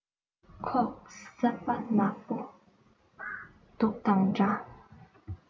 ཁོག བསམ པ ནག པོ དུག དང འདྲ